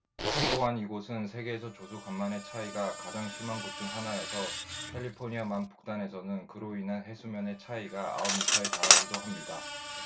또한 이곳은 세계에서 조수 간만의 차이가 가장 심한 곳 중 하나여서 캘리포니아 만 북단에서는 그로 인한 해수면의 차이가 아홉 미터에 달하기도 합니다